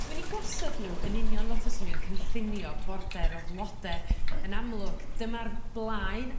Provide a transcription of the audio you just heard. dwi'n 'u gosod n'w yn union fel tyswn i'n cynllunio border o flode yn amlwg dyma'r blaen